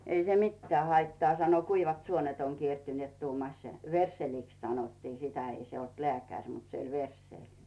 ei se mitään haittaa sanoi kuivat suonet on kiertyneet tuumasi versseliksi sanottiin sitä ei se ollut lääkäri mutta se oli versseli